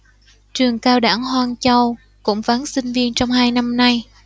trường cao đẳng hoan châu cũng vắng sinh viên trong hai năm nay